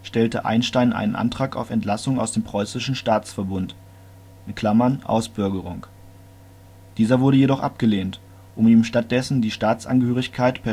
stellte Einstein einen Antrag auf Entlassung aus dem preußischen Staatsverbund (Ausbürgerung). Dieser wurde jedoch abgelehnt, um ihm stattdessen die Staatsangehörigkeit